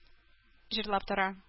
Җырлап тора